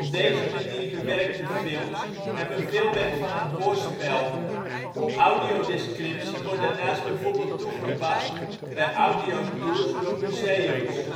deze manier bewerkte films hebben veel weg van een hoorspel. Audiodescriptie wordt daarnaast bijvoorbeeld toegepast bij audiotours door museums